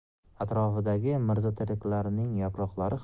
atrofidagi mirzateraklarning yaproqlari